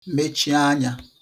mechi anyā